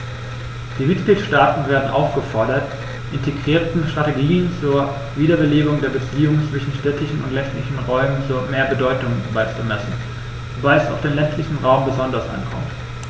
Die Mitgliedstaaten werden aufgefordert, integrierten Strategien zur Wiederbelebung der Beziehungen zwischen städtischen und ländlichen Räumen mehr Bedeutung beizumessen, wobei es auf den ländlichen Raum besonders ankommt.